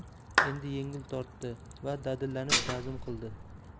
tortdi va dadillanib tazim qildi